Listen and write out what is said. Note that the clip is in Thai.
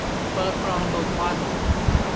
เปิดปล่องดูดควัน